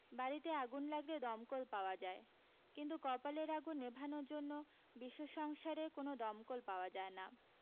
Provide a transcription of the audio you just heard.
বাড়ীতে আগুন লাগলে দমকল পাওয়া যায় কিন্তু কপালের আগুন নেভানোর জন্য বিশ্ব সংসারে কোন দমকল পাওয়া যায় না